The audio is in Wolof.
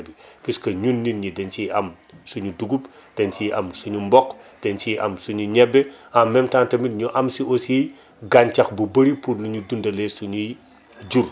puique ñun nit ñi dañ ciy am suñu dugub dañ siy am suñu mboq dañ siy am suñu ñebe en même temps tamit ñu am si aussi gàncax bu bëri pour lu ñu dundalee sunuy jur